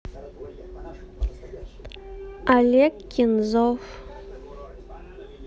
олег кензов